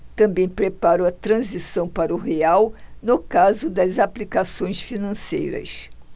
também preparam a transição para o real no caso das aplicações financeiras